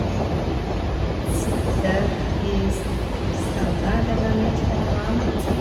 Sitte i sf stranda, det var litt for varmt.